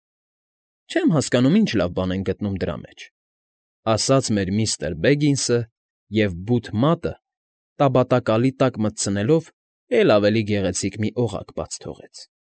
Չեմ հասկանում, ինչ լավ բան են գտնում դրա մեջ, ֊ ասաց մեր միստր Բեգինսը և, բութ մատը տարատակալի տակ մտցնելով, էլ ավելի գեղեցիկ մի օղակ բաց թողեց։